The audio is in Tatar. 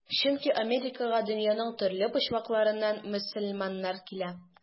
Чөнки Америкага дөньяның төрле почмакларыннан мөселманнар килә.